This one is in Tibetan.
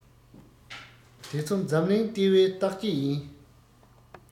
དེ ཚོ འཛམ གླིང ལྟེ བའི བརྟག དཔྱད ཡིན